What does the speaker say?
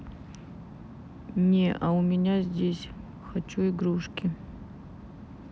не а у меня здесь хочу игрушки